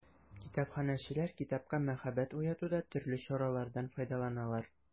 Китапханәчеләр китапка мәхәббәт уятуда төрле чаралардан файдаланалар.